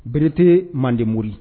Bereerete manden mori